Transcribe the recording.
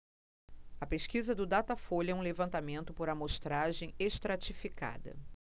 a pesquisa do datafolha é um levantamento por amostragem estratificada